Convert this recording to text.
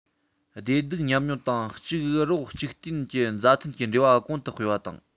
བདེ སྡུག མཉམ མྱོང དང གཅིག རོགས གཅིག རྟེན གྱི མཛའ མཐུན གྱི འབྲེལ བ གོང དུ སྤེལ བ དང